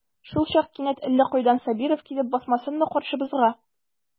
Шулчак кинәт әллә кайдан Сабиров килеп басмасынмы каршыбызга.